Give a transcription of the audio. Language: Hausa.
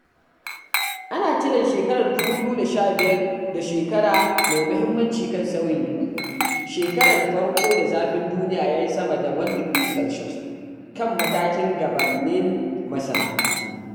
Ana kiran shekarar 2015 da shekara mai mahimmanci kan sauyin yanayi; shekarar farko da zafin duniya yayi sama da 1°C kan matakin gabannin masana’antu.